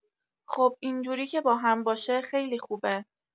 خب اینجوری که باهم باشه خیلی خوبه